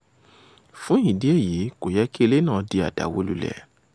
Fún ìdí èyí, kò yẹ kí ilé náà di àdàwólulẹ̀.